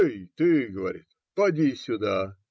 - Эй, ты, - говорит, - поди сюда!